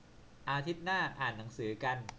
อาทิตย์หน้าอ่านหนังสือกัน